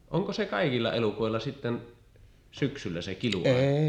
onko se kaikilla elukoilla sitten syksyllä se kiluaika